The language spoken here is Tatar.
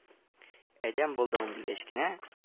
Адәм булдым дигәч кенә